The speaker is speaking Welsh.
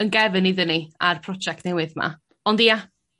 yn gefn iddyn ni a'r project newydd 'ma ond ia.